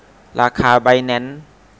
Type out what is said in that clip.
ราคาไบแนนซ์